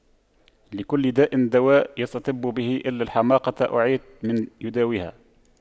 لكل داء دواء يستطب به إلا الحماقة أعيت من يداويها